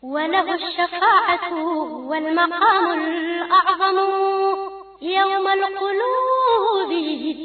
Wɛrɛbugu wa ɲa